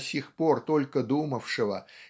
до сих пор только думавшего